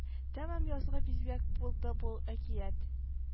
Тәмам язгы бизгәк булды бит әкият